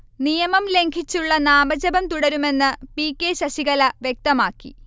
നിയമം ലംഘിച്ചുള്ള നാമജപം തുടരുമെന്ന് കെ പി ശശികല വ്യക്തമാക്കി